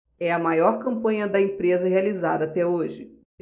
é a maior campanha da empresa realizada até hoje